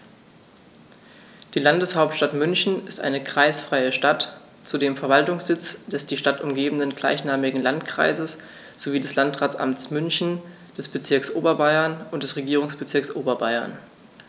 Die Landeshauptstadt München ist eine kreisfreie Stadt, zudem Verwaltungssitz des die Stadt umgebenden gleichnamigen Landkreises sowie des Landratsamtes München, des Bezirks Oberbayern und des Regierungsbezirks Oberbayern.